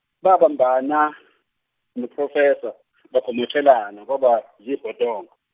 babambana no- Professor bagomothelana kwaba yizibhodongo.